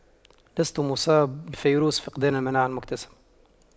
لست مصاب بفيروس فقدان المناعة المكتسبة